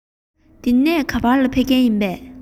དེ ནས ག པར ཕེབས མཁན ཡིན པ